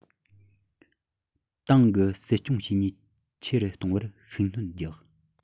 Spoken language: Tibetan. ཏང གི སྲིད སྐྱོང བྱེད ནུས ཆེ རུ གཏོང བར ཤུགས སྣོན རྒྱག